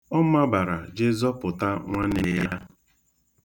Ọ mabara je zọpụta nwanne ya.